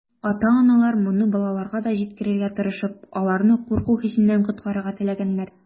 Ата-аналар, моны балаларга да җиткерергә тырышып, аларны курку хисеннән коткарырга теләгәннәр.